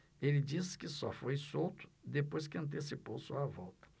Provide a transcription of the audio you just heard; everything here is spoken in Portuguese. ele disse que só foi solto depois que antecipou sua volta